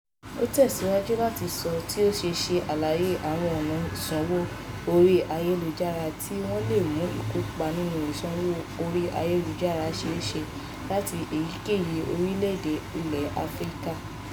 Ó tẹ̀síwájú láti sọ tí ó sì ṣe àlàyé àwọn ọ̀nà ìṣanwó orí ayélujára tí wọ́n lè mú ìkópa nínú ìṣòwò orí ayélujára ṣeéṣe láti èyíkéyìí orílẹ̀-èdè ilẹ̀ Áfíríkà.